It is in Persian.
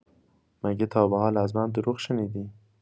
مگه تا به حال از من دروغ شنیدی؟